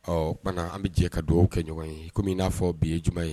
Ɔ kana an bɛ jɛ ka dugawu kɛ ɲɔgɔn ye kɔmi n'a fɔ bi ye ɲumanuma ye